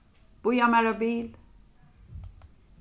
bíða mær eitt bil